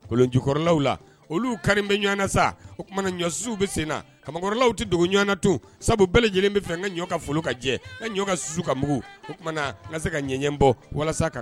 Kolon jukɔrɔlaw la olu kari bɛ ɲɔgɔn sa oumana ɲɔ susiww bɛ sen na kamakɔrɔlaw tɛ dogo ɲɔgɔn na to sabu bɛɛ lajɛlen bɛ fɛ ka ɲɔ ka foro ka jɛ ka ɲɔ ka susu ka mugu oumana ka se ka ɲɛɲɛ bɔ walasa ka